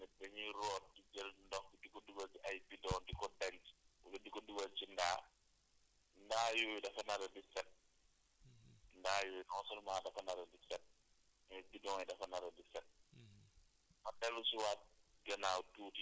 ñi nga xam ne nag dañuy am ay robinet dañuy root jël ndox di ko dugal ci ay bidon di ko denc nga di ko dugal ci ndaa ndaa yooyu dafa nar a di set ndaa yooyu non seulement dafa nar a di set mais bidon yi dafa nar a di set